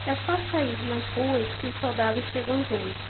é só sair nas ruas que os soldados chegam junto